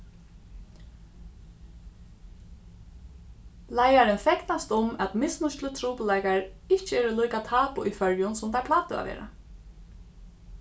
leiðarin fegnast um at misnýtslutrupulleikar ikki eru líka tabu í føroyum sum teir plagdu at vera